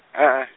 e-e.